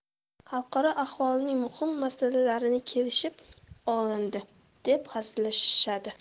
xalqaro ahvolning muhim masalalari kelishib olindi deb hazillashishadi